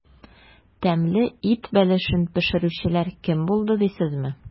Тәмле ит бәлешен пешерүчеләр кем булды дисезме?